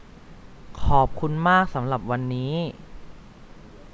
ขอบคุณมากสำหรับวันนี้